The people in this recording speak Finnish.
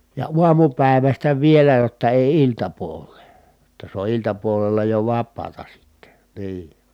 ja aamupäivästä vielä jotta ei iltapuoleen jotta se on iltapuolella jo vapaata sitten niin